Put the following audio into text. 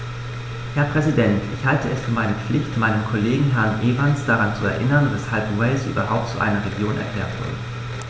Herr Präsident, ich halte es für meine Pflicht, meinen Kollegen Herrn Evans daran zu erinnern, weshalb Wales überhaupt zu einer Region erklärt wurde.